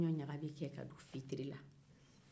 kɔɲɔ ɲaga bɛ kɛ ka don fitiri la